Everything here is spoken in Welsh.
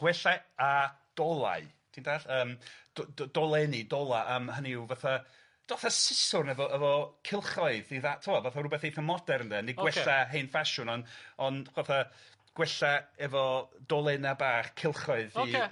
Gwellau a dolau ti'n dall yym do- do- dolenni dolau yym hynny yw fatha do- 'tha siswrn efo efo cylchoedd i dda- t'mo' fatha rywbeth eitha modern de neu... Ocê. ...gwella hen ffasiwn on' ond fatha gwella efo dolenni bach cylchoedd i... Ocê.